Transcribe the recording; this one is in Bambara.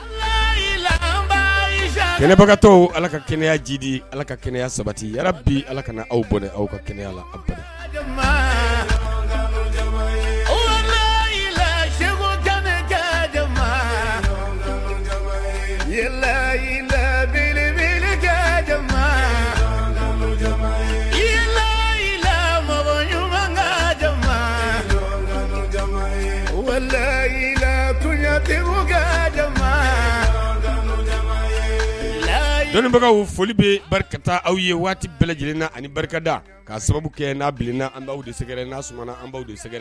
Kɛnɛbagatɔ ala ka kɛnɛyajidi ala ka kɛnɛya sabati yala bi ala ka aw bɔn aw ka kɛnɛya la kakuma ɲuman ka ka dɔnnibagaw foli bɛ barikata aw ye waati bɛɛ lajɛlenna ani barikada ka sababu kɛ n'a bilenna an baw de sɛgɛrɛ n s sɔnnaumana an baw de sɛgɛrɛ